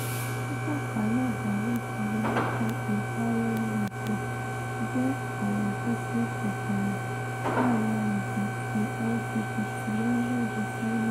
Títaǹkalẹ̀ ààrùn HIV nípa ìbáraẹnilòpọ̀ jẹ ọrọ tóṣẹ̀ṣẹ̀ bẹ̀rẹ̀ láàrin àwùjọ ti LGBT lorílẹ̀-èdè Ṣáínà.